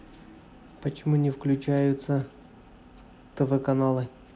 почему не включаются тв каналы